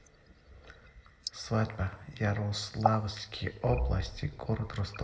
свадьба ярославская область город ростов